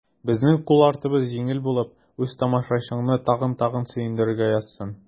Безнең кул артыбыз җиңел булып, үз тамашачыңны тагын-тагын сөендерергә язсын.